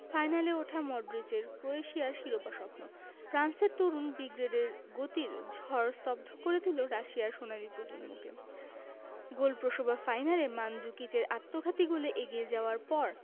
ফাইনালে ওঠা মডরিচের ক্রোয়েশিয়ার শিরোপা স্বপ্ন ফ্রান্সের তরুণ ব্রিগেডের গতির ঝড় স্তব্ধ করে দিল ক্রোয়েশিয়ার সোনালি প্রজন্মকে গোলপ্রসবা ফাইনালে মানজুকিচের আত্মঘাতী গোলে এগিয়ে যাওয়ার পর